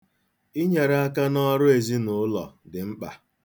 Inyere aka n'ọrụ ezinụlọ dị mkpa.